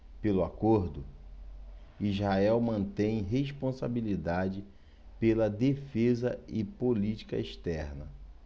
pelo acordo israel mantém responsabilidade pela defesa e política externa